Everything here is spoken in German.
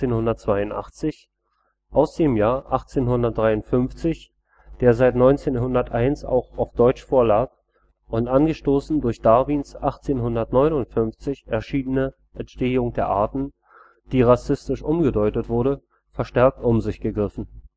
1882) aus dem Jahr 1853, der seit 1901 auch auf Deutsch vorlag, und angestoßen durch Darwins 1859 erschienene „ Entstehung der Arten “, die rassistisch umgedeutet wurde, verstärkt um sich gegriffen